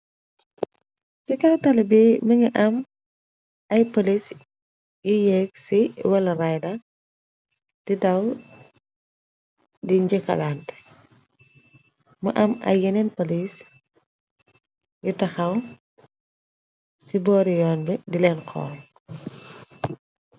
ci kawtali bi mi nga am ay polis yu yégg ci wala rida di daw di njëkalaante mu am ay yeneen polis yu taxaw ci boori yoon bi dileen xool.